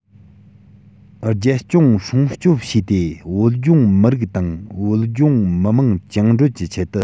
རྒྱལ སྲུང སྲུང སྐྱོབ བྱས ཏེ བོད ལྗོངས མི རིགས དང བོད ལྗོངས མི དམངས བཅིངས འགྲོལ གྱི ཆེད དུ